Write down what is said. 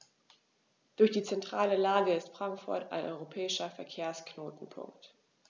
Durch die zentrale Lage ist Frankfurt ein europäischer Verkehrsknotenpunkt.